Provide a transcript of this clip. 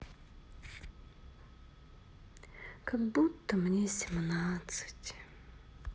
как будто мне семнадцать